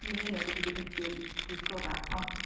Dwi'n euog o beidio mynd i'r pwyllgorau ond...